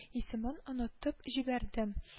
Исемен онытып җибәрдем…